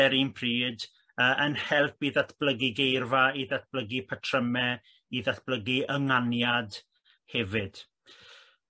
un pryd yy yn help i ddatblygu geirfa i ddatblygu patryme i ddatblygu ynganiad hefyd.